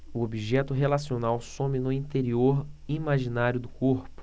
o objeto relacional some no interior imaginário do corpo